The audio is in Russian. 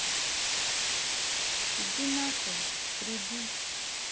иди нахуй приди